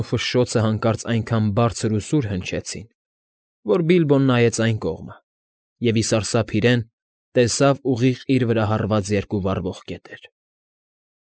Ու ֆշշոցը հանկարծ այնքան բարձր ու սուր հնչեցին, որ Բիլբոն նայեց այն կողմը և, ի սարսափ իրեն, տեսավ ուղիղ իր վրա հառված երկու վառվող կետեր։